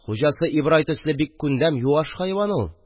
Хуҗасы Ибрай төсле бик күндәм, юаш хайван ул.